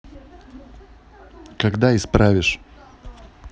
когда исправишь